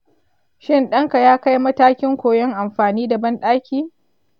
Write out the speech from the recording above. shin ɗanka ya kai matakin koyon amfani da banɗaki